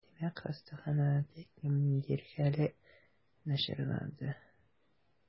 Димәк, хастаханәдә кемнеңдер хәле начарланды?